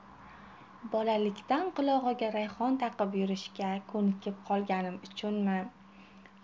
bolalikdan qulog'iga rayhon taqib yurishiga ko'nikib qolganim uchunmi